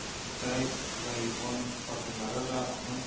Кытай вә япон хатыннары да аның